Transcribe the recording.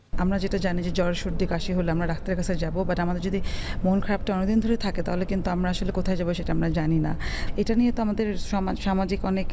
আমরা যেটা জানি যে জ্বর সর্দি কাশি হলে ডাক্তারের কাছে যাব বাট আমাদের যদি মন খারাপটা অনেকদিন ধরে থাকে তাহলে আমরা কোথায় যাব সেটা জানি না এটা নিয়ে তো আমাদের সামাজিক অনেক